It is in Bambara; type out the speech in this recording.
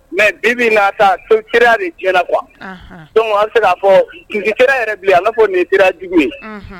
Mɛ bibi na ta kiraya de diɲɛɲɛna qu don se'a fɔ sunjata kira yɛrɛ bi ala fɔ nin kira jugu ye